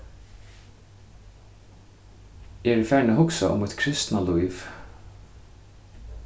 eg eri farin at hugsa um mítt kristna lív